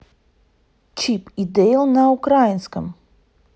чип и дейл на украинском